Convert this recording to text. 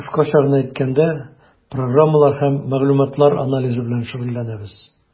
Без, кыскача гына әйткәндә, программалар һәм мәгълүматлар анализы белән шөгыльләнәбез.